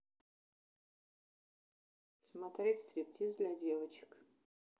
смотреть стриптиз для девочек